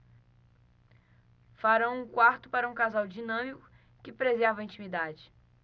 farão um quarto para um casal dinâmico que preserva a intimidade